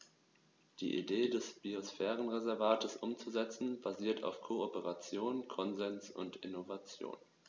Die Idee des Biosphärenreservates umzusetzen, basiert auf Kooperation, Konsens und Innovation.